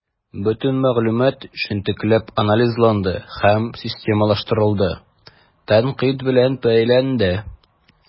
Бөтен мәгълүмат җентекләп анализланды һәм системалаштырылды, тәнкыйть белән бәяләнде.